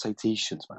citations 'ma